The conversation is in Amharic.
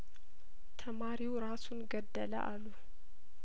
ተማሪው ራሱን ገደለአሉ